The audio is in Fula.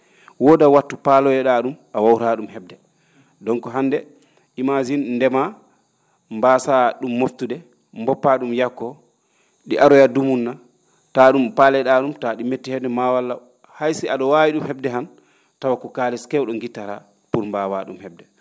woodat wattu paaloye?aa ?um a waawara ?um he?de donc imagine ndemaa mbaasaa ?um moftude mboppaa ?um yakkoo ?i aroya dumunna ta ?um paale?aa ?um tawa ?i metti he?de maa walla hay si a?o waawi ?um he?de han taw ko kaalis keew?o ngittaraa pour mbaawaa ?um he?de